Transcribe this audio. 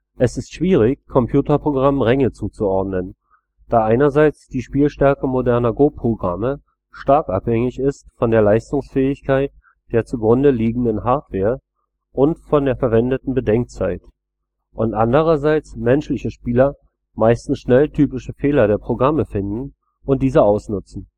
Es ist schwierig, Computerprogrammen Ränge zuzuordnen, da einerseits die Spielstärke moderner Goprogramme stark abhängig ist von der Leistungsfähigkeit der zugrundeliegenden Hardware und von der verwendeten Bedenkzeit, und andererseits menschliche Spieler meistens schnell typische Fehler der Programme finden und diese ausnutzen